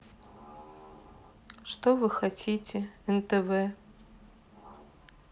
что вы хотите нтв